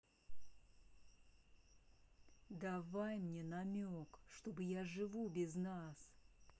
давай мне намек чтобы я живу без нас